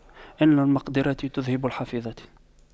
إن المقْدِرة تُذْهِبَ الحفيظة